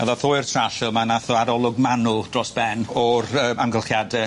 A ddath o i'r Trallwm a nath o arolwg manwl dros ben o'r yy amgylchiade.